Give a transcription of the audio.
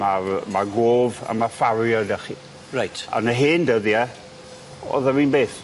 Ma'r ma'r gof a ma'r farrier 'dych chi. Reit. On' y hen dyddie o'dd yr un beth.